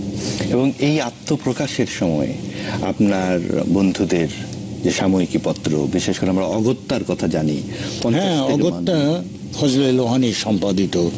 এবং এই আত্মপ্রকাশের সময় আপনার বন্ধুদের যে সাময়িকী পত্র বিশেষ করে আমরা অগত্যার কথা জানি হ্যাঁ অগত্যা ফজলে লোহানীর সম্পাদিত